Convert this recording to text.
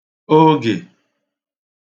ogè